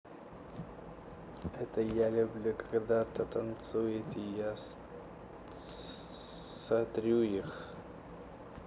это я люблю когда кто то танцует и я сатрю их